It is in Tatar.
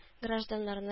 Гражданнарның